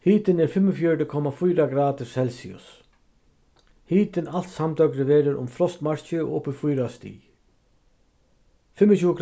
hitin er fimmogfjøruti komma fýra gradir celsius hitin alt samdøgrið verður um frostmarkið og upp í fýra stig fimmogtjúgu